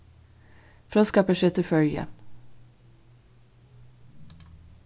fróðskaparsetur føroya